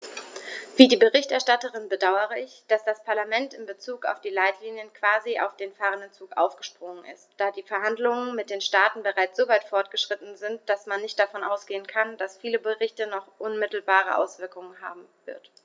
Wie die Berichterstatterin bedaure ich, dass das Parlament in bezug auf die Leitlinien quasi auf den fahrenden Zug aufgesprungen ist, da die Verhandlungen mit den Staaten bereits so weit fortgeschritten sind, dass man nicht davon ausgehen kann, dass dieser Bericht noch unmittelbare Auswirkungen haben wird.